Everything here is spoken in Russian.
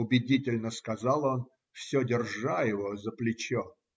убедительно сказал он, все держа его за плечо.